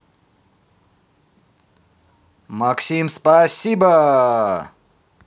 максим спасибо